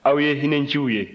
aw ye hinɛnciw ye